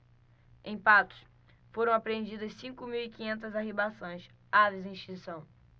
em patos foram apreendidas cinco mil e quinhentas arribaçãs aves em extinção